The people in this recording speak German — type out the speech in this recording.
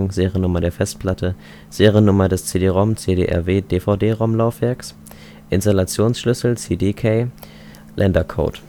Seriennummer der Festplatte Seriennummer des CD-ROM / CD-RW / DVD-ROM Installationsschlüssel (CD-Key) Ländercode